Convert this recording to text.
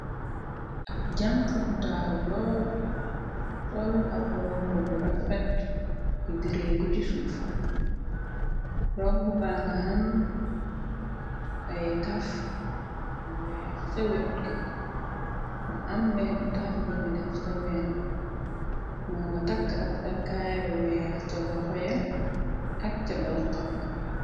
Ab jànxa bu taaru lool sol ab robb bu rafet di diree kucci suuf robb ba nga ham ay taf yu weex sa wetga mu am benna taf bunu def sa ween moo nga takk ab takkaay bu weex ca loxoya ak ca dox xam ga.